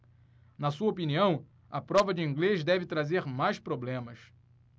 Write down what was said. na sua opinião a prova de inglês deve trazer mais problemas